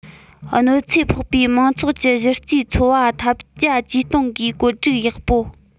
གནོད འཚེ ཕོག པའི མང ཚོགས ཀྱི གཞི རྩའི འཚོ བ ཐབས བརྒྱ ཇུས སྟོང གིས བཀོད སྒྲིག ཡག པོ